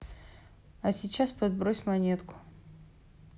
а подбрось сейчас монетку